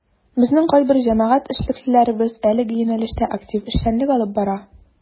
Безнең кайбер җәмәгать эшлеклеләребез әлеге юнәлештә актив эшчәнлек алып бара.